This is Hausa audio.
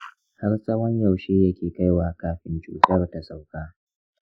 har tsowan yaushe ya ke kai wa kafin cutan ta sauka?